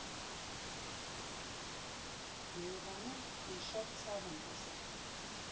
Երևանում ես շատ ցավ եմ տեսել։